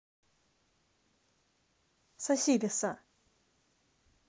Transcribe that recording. соси леса